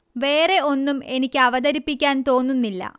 വേറെ ഒന്നും എനിക്ക് അവതരിപ്പിക്കാൻ തോന്നുന്നില്ല